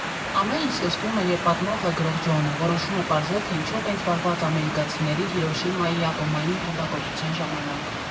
Ամեն ինչ սկսվում է, երբ պատմողը՝ գրող Ջոնը, որոշում է պարզել, թե ինչով էին զբաղված ամերիկացիների Հիրոշիմայի ատոմային ռմբակոծության ժամանակ։